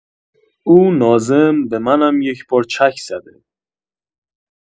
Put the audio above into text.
اون ناظم به منم یک‌بار چک زده